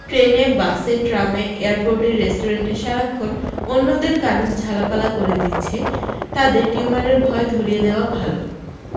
ট্রেনে বাসে ট্রামে এয়ারপোর্টে রেস্টুরেণ্টে সারাক্ষণ অন্যদের কান ঝালাপালা করে দিচ্ছে তাদের টিউমারের ভয় ধরিয়ে দেওয়া ভালো